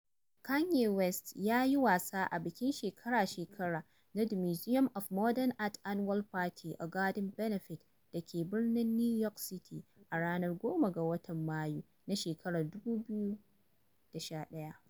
Kanye West ya yi wasa a bikin shekara-shekara na The Museum of Modern Art's annual Party a Garden benefit da ke birnin New York City a ranar 10 ga watan Mayu na shekarar 2011.